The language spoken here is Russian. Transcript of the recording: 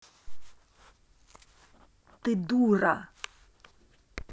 ты дура